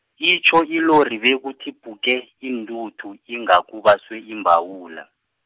itjho ilori bekuthi puke, intuthu, inga kubaswe imbawula.